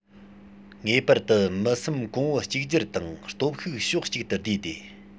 ངེས པར དུ མི སེམས གོང བུ གཅིག གྱུར དང སྟོབས ཤུགས ཕྱོགས གཅིག ཏུ བསྡུས ཏེ